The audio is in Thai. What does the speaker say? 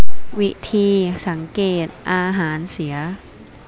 วิธีสังเกตุอาหารเสีย